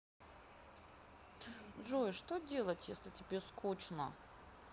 джой что делать если тебе скучно